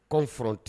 Kɔnfi tɛ